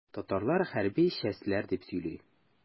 Татарлар хәрби чәстләр дип сөйли.